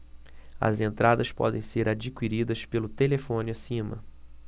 as entradas podem ser adquiridas pelo telefone acima